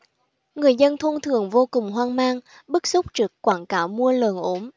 người dân thôn thượng vô cùng hoang mang bức xúc trước quảng cáo mua lợn ốm